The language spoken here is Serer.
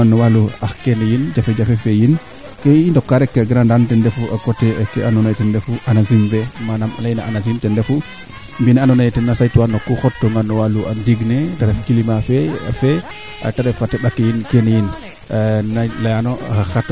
o jega nge a ara saxu o jeg fogooñfa mbaal to i nga a mene c' etais en tiya xar deux mille xara ree'u yee deux mille trois fo gooñ le kaate ɓalig u a ɓalga ɓalig bo mumeen ke mbug iran wargal